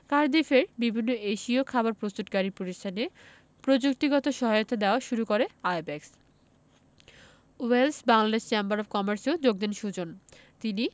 কার্ডিফের বিভিন্ন এশীয় খাবার প্রস্তুতকারী প্রতিষ্ঠানে প্রযুক্তিগত সহায়তা দেওয়া শুরু করে IBACS Wales Bangladesh chamber of কমার্সেও যোগ দেন সুজন তিনি